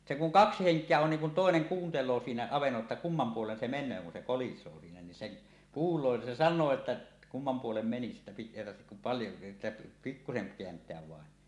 se kun kaksi henkeä on niin kun toinen kuuntelee siinä avannolla jotta kumman puolen se menee kun se kolisee siinä niin sen kuulee niin se sanoo että kumman puolen meni sitten - ei tarvitse kuin paljon että pikkuisen kääntää vain